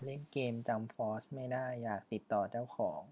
เล่นเกมจั๊มฟอสไม่ได้อยากติดต่อเจ้าของ